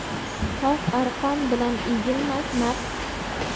tog' arqon bilan egilmas